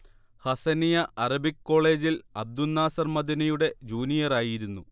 Hasaniya Arabic കോളേജിൽ അബ്ദുന്നാസിർ മദനിയുടെ ജൂനിയറായിരുന്നു